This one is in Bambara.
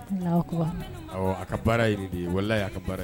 A ka baara de y'a ka baara